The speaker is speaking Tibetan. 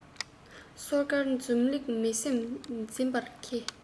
སོ དཀར འཛུམ ལེགས མི སེམས འཛིན པར མཁས